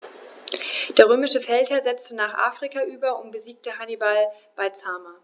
Der römische Feldherr setzte nach Afrika über und besiegte Hannibal bei Zama.